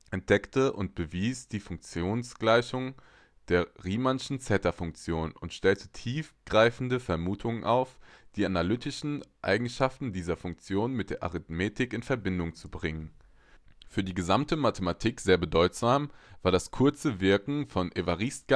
entdeckte und bewies die Funktionalgleichung der Riemannschen Zeta-Funktion und stellte tiefgreifende Vermutungen auf, die analytische Eigenschaften dieser Funktion mit der Arithmetik in Verbindung brachten. Für die gesamte Mathematik sehr bedeutsam war das kurze Wirken von Évariste Galois